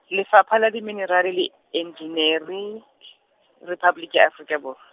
Lefapha la Diminerale le Engineering , Rephaboliki ya Afrika Borwa.